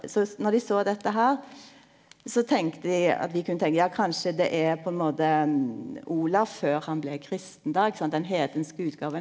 så når dei såg dette her så tenkte dei at vi kunne tenke ja kanskje det er på ein måte Olav før han blei kristen då ikkje sant den heidenske utgåva.